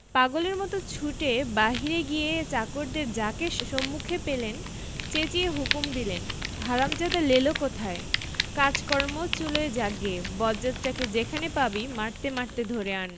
পাগলের মত ছুটে বাহিরে গিয়ে চাকরদের যাকে সুমুখে পেলেন চেঁচিয়ে হুকুম দিলেন হারামজাদা লেলো কোথায় কাজকর্ম চুলোয় যাক গে বজ্জাতটাকে যেখানে পাবি মারতে মারতে ধরে আন্